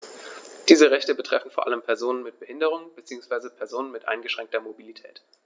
Diese Rechte betreffen vor allem Personen mit Behinderung beziehungsweise Personen mit eingeschränkter Mobilität.